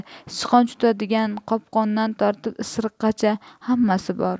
sichqon tutadigan qopqondan tortib isiriqqacha hammasi bor